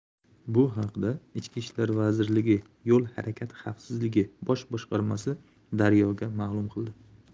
bu haqda ichki ishlar vazirligi yo'l harakati xavfsizligi bosh boshqarmasi daryo ga ma'lum qildi